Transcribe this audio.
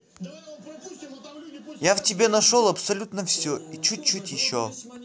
я в тебе нашел абсолютно все и чуть чуть еще